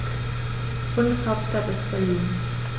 Bundeshauptstadt ist Berlin.